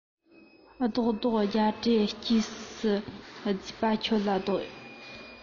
བཟློག བཟློག རྒྱ འདྲེ སྐྱེམས སུ བརྫུས པ ཁྱོད ལ བཟློག